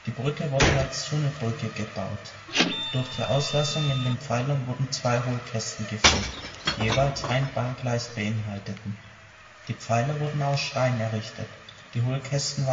Brücke wurde als Tunnelbrücke gebaut. Durch die Auslassungen in den Pfeilern wurden zwei Hohlkästen geführt, die jeweils ein Bahngleis beinhalteten. Die Pfeiler wurden aus Stein errichtet, die Hohlkästen